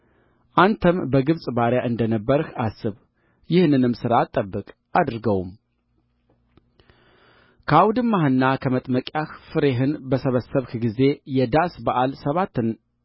አንተም በግብፅ ባሪያ እንደ ነበርህ አስብ ይህንንም ሥርዓት ጠብቅ አድርገውም ከአውድማህና ከመጥመቂያህ ፍሬህን በሰበሰብህ ጊዜ የዳስ በዓል ሰባትን